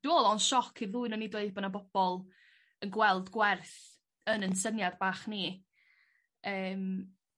dwi me'wl o' o'n sioc i'r ddwy onyn ni doedd bo' 'na bobol yn gweld gwerth yn 'yn syniad bach ni.